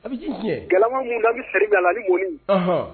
Gama minnu la bɛ sela ni munɔni